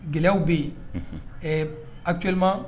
Gɛlɛya bɛ yen ɛɛ akiylima